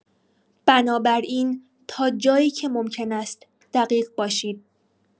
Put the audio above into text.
بنابراین تا جایی که ممکن است دقیق باشید.